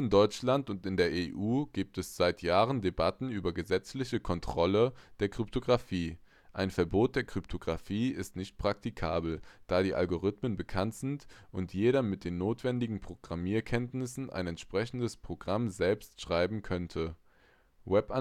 Deutschland und in der EU gibt es seit Jahren Debatten über gesetzliche Kontrolle der Kryptographie. Ein Verbot der Kryptographie ist nicht praktikabel, da die Algorithmen bekannt sind und jeder mit den notwendigen Programmierkenntnissen ein entsprechendes Programm selbst schreiben könnte. Web-Anwendungen